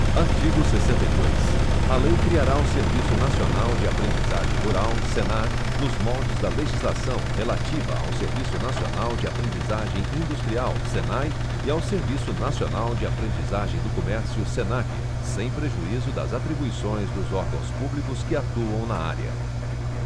artigo sessenta e dois a lei criará o serviço nacional de aprendizagem rural senar nos moldes da legislação relativa ao serviço nacional de aprendizagem industrial senai e ao serviço nacional de aprendizagem do comércio senac sem prejuízo das atribuições dos órgãos públicos que atuam na área